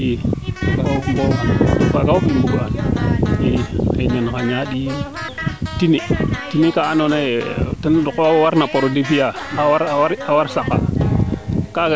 i kaaga fop i mbugaan i nan nen xañaandiin tenue tenue kaa ando naye ten oxa war na produit fiyaa war war saqaa